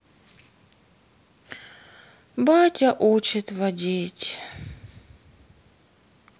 батя учит водить